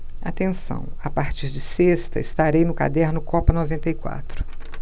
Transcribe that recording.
atenção a partir de sexta estarei no caderno copa noventa e quatro